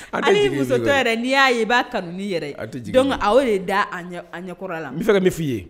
A musotɔ yɛrɛ n'i y'a ye b'a n' yɛrɛ a da an ɲɛ kɔrɔ la n' fɛ ka n min f'i ye